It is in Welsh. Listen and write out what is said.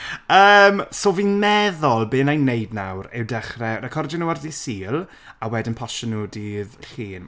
Yym so fi'n meddwl be wna i wneud nawr yw dechrau recordio nhw ar Ddydd Sul a wedyn postio nhw Dydd Llun.